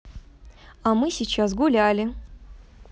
а мы сейчас гуляли